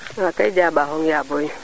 wa kay jaɓaxong ya booy